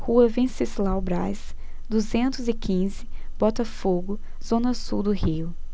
rua venceslau braz duzentos e quinze botafogo zona sul do rio